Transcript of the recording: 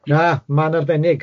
Na, ma'n arbennig.